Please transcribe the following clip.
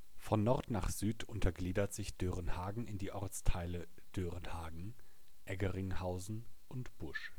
Von Nord nach Süd untergliedert sich Dörenhagen in die Ortsteile Dörenhagen, Eggeringhausen und Busch